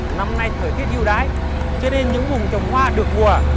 năm nay thời tiết ưu đãi cho nên những vùng trồng hoa được mùa